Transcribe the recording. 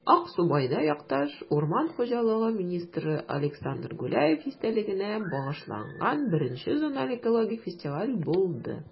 Аксубайда якташ, урман хуҗалыгы министры Александр Гуляев истәлегенә багышланган I зональ экологик фестиваль булды